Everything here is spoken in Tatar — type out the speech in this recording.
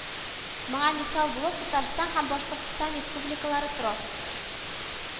Моңа мисал булып Татарстан һәм Башкортстан Республикалары тора